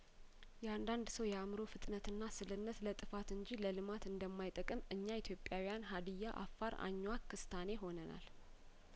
የአንዳንድ ሰው የአእምሮ ፍጥነትና ስልነት ለጥፋት እንጂ ለልማት እንደማይጠቅም እኛ ኢትዮጵያውያን ሀዲያአፋር አኝዋክ ክስታኔ ሆነናል